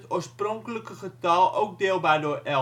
oorspronkelijke getal ook deelbaar door